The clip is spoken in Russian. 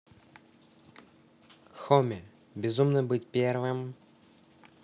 homie безумно быть первым